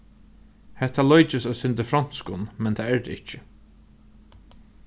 hetta líkist eitt sindur fronskum men tað er tað ikki